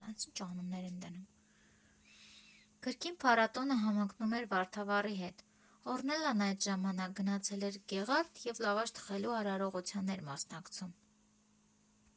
Կրկին փառատոնը համընկել էր Վարդավառի հետ, Օռնելան այդ ժամանակ գնացել էր Գեղարդ և լավաշ թխելու արարողության էր մասնակցում։